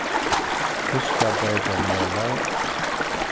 fiskabótarmolar